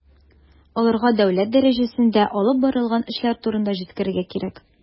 Аларга дәүләт дәрәҗәсендә алып барылган эшләр турында җиткерергә кирәк.